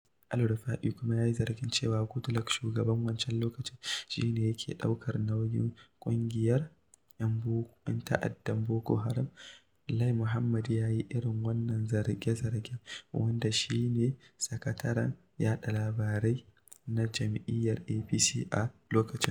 El-Rufa'i kuma ya yi zargin cewa Goodluck, shugaban wancan lokaci, shi ne yake ɗaukar nauyin ƙungiyar 'yan ta'addan Boko Haram. Lai Mohammed, ya yi irin waɗannan zarge-zargen, wanda shi ne sakataren yaɗa labarai na jam'iyyar APC a lokacin.